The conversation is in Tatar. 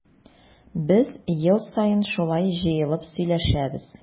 Без ел саен шулай җыелып сөйләшәбез.